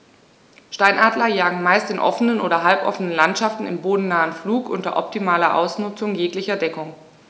Steinadler jagen meist in offenen oder halboffenen Landschaften im bodennahen Flug unter optimaler Ausnutzung jeglicher Deckung.